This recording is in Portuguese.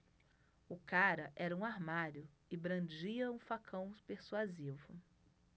o cara era um armário e brandia um facão persuasivo